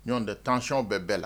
Ɲɔɔn tɛ tancɔn bɛɛ bɛɛ la